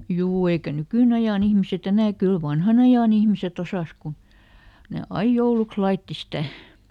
juu eikä nykyajan ihmiset enää kyllä vanhanajan ihmiset osasi kun ne aina jouluksi laittoi sitä